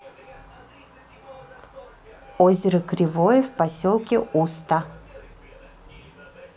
озеро кривое в поселке уста